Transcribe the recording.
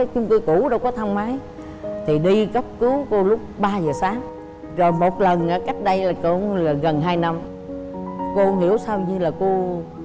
chung cư cũ đâu có thang máy thì đi cấp cứu cô lúc ba giờ sáng rồi một lần cách đây cũng là gần hai năm cô không hiểu sao cái là cô